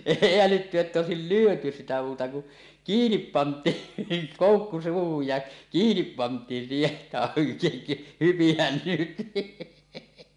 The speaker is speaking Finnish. ei älytty että olisi lyöty sitä muuta kuin kiinni pantiin niin koukku suuhun ja kiinni pantiin siihen että hypihän nyt